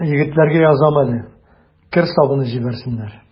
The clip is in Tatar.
Егетләргә язам әле: кер сабыны җибәрсеннәр.